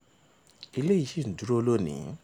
Ilé yìí ṣì ń dúró lónìí.